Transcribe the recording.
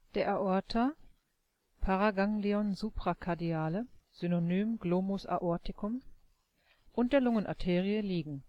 der Aorta (Paraganglion supracardiale, Syn. Glomus aorticum) und der Lungenarterie liegen